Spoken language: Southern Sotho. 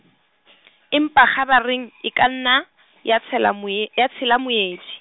empa kgabareng, e ka nna ya tshela moe-, ya tshela moedi.